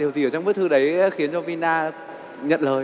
điều gì ở trong bức thư đấy khiến cho mi na nhận lời